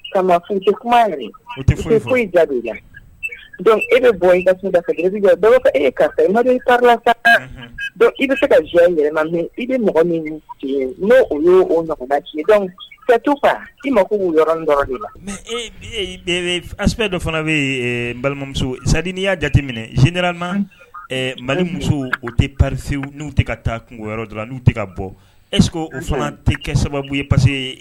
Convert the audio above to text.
Kama kuma o tɛ foyi foyi ja la e bɛ bɔ i bɛ se ka jɔn in yɛrɛ i bɛ mɔgɔ min n' o ye ka tu i ma ko la as dɔ fana bɛ yen balimamuso zdi n y'a jateminɛ zeera na mali muso u tɛ pa n'u tɛ ka taa kungogoyɔrɔ dɔrɔn n'u tɛ ka bɔ es o fana tɛ kɛ sababu ye pase ye